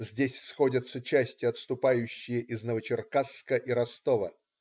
Здесь сходятся части, отступающие из Новочеркасска и Ростова.